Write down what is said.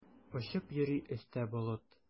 Очып йөри өстә болыт.